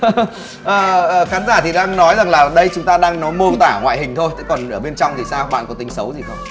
hơ hơ khán giả thì đang nói rằng là ở đây chúng ta đang nó mô tả ngoại hình thôi chứ còn ở bên trong thì sao bạn có tính xấu gì không